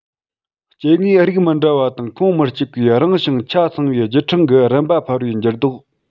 སྐྱེ དངོས རིགས མི འདྲ བ དང ཁོངས མི གཅིག པའི རིང ཞིང ཆ ཚང བའི བརྒྱུད ཕྲེང གི རིམ པ འཕར བའི འགྱུར ལྡོག